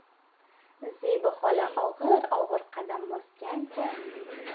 zebi xola og'ir og'ir qadam bosgancha